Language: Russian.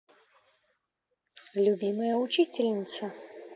любимая учительница